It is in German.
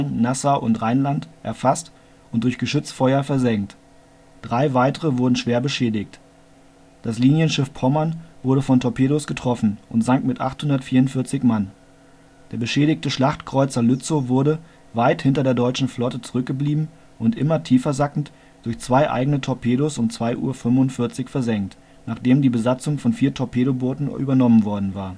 Nassau und Rheinland) erfasst und durch Geschützfeuer versenkt. Drei weitere wurden schwer beschädigt. Das Linienschiff Pommern wurde von Torpedos getroffen und sank mit 844 Mann. Der beschädigte Schlachtkreuzer Lützow wurde, weit hinter der deutschen Flotte zurückgeblieben und immer tiefer sackend, durch zwei eigene Torpedos um 2 Uhr 45 versenkt, nachdem die Besatzung von 4 Torpedobooten übernommen worden war